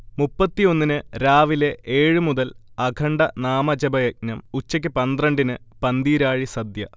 മുപ്പത്തിയൊന്നിന് രാവിലെ ഏഴുമുതൽ അഖണ്ഡ നാമജപയജ്ഞം, ഉച്ചയ്ക്ക് പന്ത്രണ്ടിന് പന്തീരാഴി സദ്യ